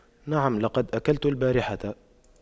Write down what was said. نعم لقد أكلت البارحة